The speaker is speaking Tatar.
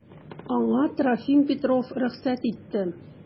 Аңа Трофим Петров рөхсәт итте.